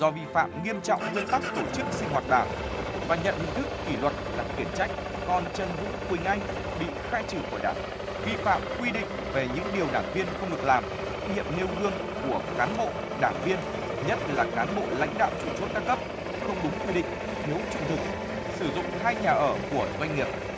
do vi phạm nghiêm trọng nguyên tắc tổ chức sinh hoạt đảng và nhận hình thức kỷ luật là khiển trách còn trần vũ quỳnh anh bị khai trừ khỏi đảng vi phạm quy định về những điều đảng viên không được làm nhiệm nêu gương của cán bộ đảng viên nhất là cán bộ lãnh đạo chủ chốt các cấp không đúng quy định thiếu trung thực sử dụng hai nhà ở của doanh nghiệp